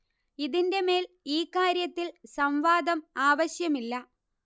ഇതിന്റെ മേൽ ഈ കാര്യത്തിൽ സംവാദം ആവശ്യമില്ല